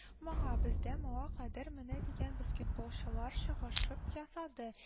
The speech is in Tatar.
Моңа, бездә моңа кадәр менә дигән баскетболчылар чыгышып ясады